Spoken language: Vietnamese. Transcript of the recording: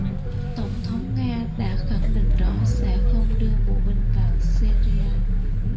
tổng thống nga đã khẳng định rõ sẽ không đưa bộ binh vào syria